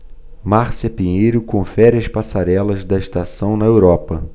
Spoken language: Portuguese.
márcia pinheiro confere as passarelas da estação na europa